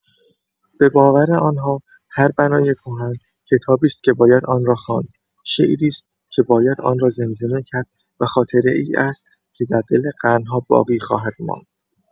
به باور آن‌ها، هر بنای کهن، کتابی است که باید آن را خواند، شعری است که باید آن را زمزمه کرد، و خاطره‌ای است که در دل قرن‌ها باقی خواهد ماند.